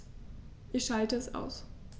Ich schalte es aus.